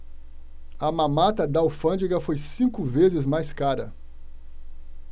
a mamata da alfândega foi cinco vezes mais cara